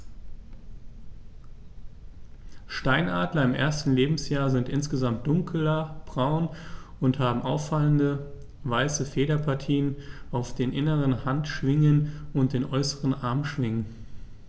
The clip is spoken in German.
Steinadler im ersten Lebensjahr sind insgesamt dunkler braun und haben auffallende, weiße Federpartien auf den inneren Handschwingen und den äußeren Armschwingen.